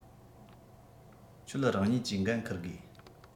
ཁྱོད ཀྱིས རང ཉིད ཀྱིས འཁུར དགོས